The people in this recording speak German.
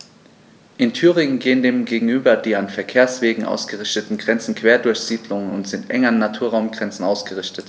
In Thüringen gehen dem gegenüber die an Verkehrswegen ausgerichteten Grenzen quer durch Siedlungen und sind eng an Naturraumgrenzen ausgerichtet.